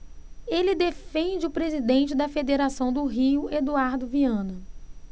ele defende o presidente da federação do rio eduardo viana